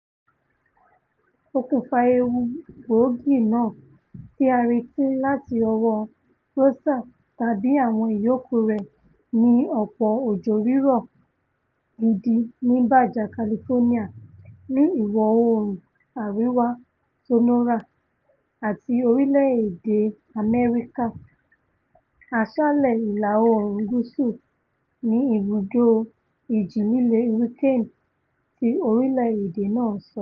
Okùnfà ewu gbòógì náà tí a reti láti ọwọ́ Rosa tàbí àwọn ìyókù rẹ̵̀ ni ọ̀pọ̀ òjò-rírọ̀ gidi ní Baja California, ní ìwọ-oòrùn àríwá Sonora, àti orílẹ̀-èdè U.S. Asálẹ Ìlà-oòrùn Gúúsù,'' ni Ibùdó Ìjì-líle Hurricane ti orílẹ̀-èdè náà sọ.